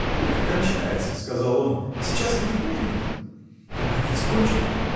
Пулька кончается, – сказал он, – сейчас будем ужинать. Наконец кончили.